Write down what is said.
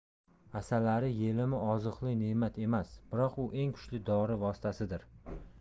asalari yelimi oziqli ne'mat emas biroq u eng kuchli dori vositasidir